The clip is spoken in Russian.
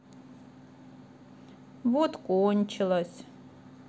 вот кончилось